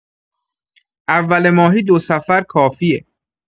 اول ماهی دو سفر کافیه.